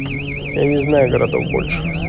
я не знаю городов больше